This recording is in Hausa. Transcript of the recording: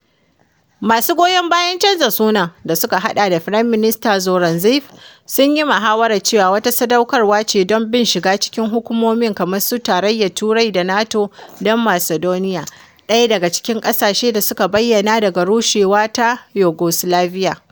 Masu goyon bayan canza sunan, da suka haɗa da Firaminista Zoran Zaev, sun yi mahawara cewa wata sadaukarwa ce don bin shiga cikin hukumomin kamar su Tarayyar Turai da NATO don Macedonia, ɗaya daga cikin ƙasashe da suka bayyana daga rushewa ta Yugoslavia.